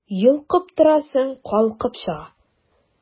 Йолкып торасың, калкып чыга...